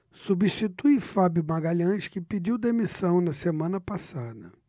substitui fábio magalhães que pediu demissão na semana passada